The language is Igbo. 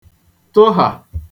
tụhà